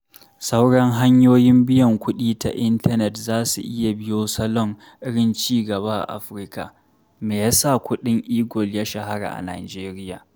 Sauran hanyoyin biyan kuɗi ta intanet za su iya biyo salon irin ci gaba a Afirka. Me ya sa kuɗin e-gold ya shahara a Nijeriya?